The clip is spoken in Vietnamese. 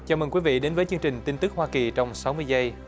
chào mừng quý vị đến với chương trình tin tức hoa kỳ trong sáu mươi giây